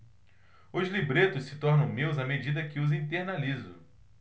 os libretos se tornam meus à medida que os internalizo